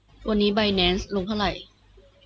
วันนี้ไบแนนซ์ลงเท่าไหร่